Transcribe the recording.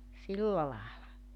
silla lailla